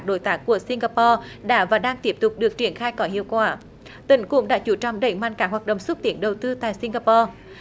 đối tác của sin ga po đã và đang tiếp tục được triển khai có hiệu quả tỉnh cũng đã chú trọng đẩy mạnh các hoạt động xúc tiến đầu tư tại sin ga po